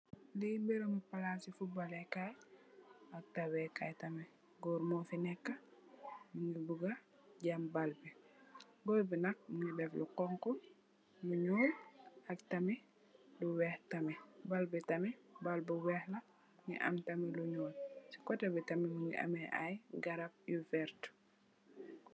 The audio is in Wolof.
le Bergamo palasi fitbaleh Kai ak dawekai tamit goor mofi neka mingi buga jam bal bi boy bi nak mingi def lu xonxu lu nyool ak tamit lu weex tamit bal bi tamit bal bu weex la Mu am tamit lu nyool ci koteh bi tamit mungi ameh ay garap yu veert